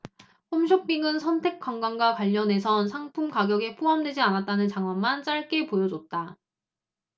홈쇼핑은 선택관광과 관련해선 상품 가격에 포함되지 않았다는 자막만 짧게 보여줬다